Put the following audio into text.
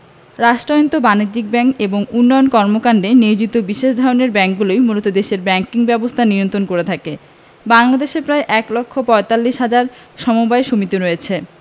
রাষ্ট্রায়ত্ত বাণিজ্যিক ব্যাংক এবং উন্নয়ন কর্মকান্ডে নিয়োজিত বিশেষ ধরনের ব্যাংকগুলোই মূলত দেশের ব্যাংকিং ব্যবস্থাকে নিয়ন্ত্রণ করে থাকে বাংলাদেশে প্রায় এক লক্ষ পয়তাল্লিশ হাজার সমবায় সমিতি রয়েছে